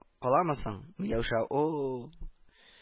Каламы соң. миләүшә оо